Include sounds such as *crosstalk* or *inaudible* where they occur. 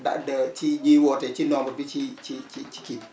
ndax de *hesitation* ci ñiy woote ci nombre bi ci ci ci ci kii bi